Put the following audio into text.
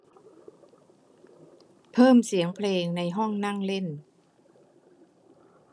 เพิ่มเสียงเพลงในห้องนั่งเล่น